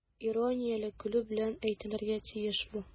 Иронияле көлү белән әйтелергә тиеш бу.